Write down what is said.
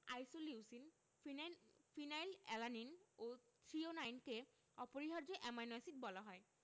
isoleucine phenyl phenyl alanine ও থ্রিওনাইনকে অপরিহার্য অ্যামাইনো এসিড বলা হয়